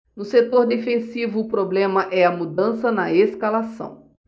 no setor defensivo o problema é a mudança na escalação